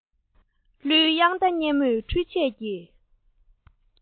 གླུའི དབྱངས རྟ སྙན མོས འཕྲུལ ཆས ཀྱི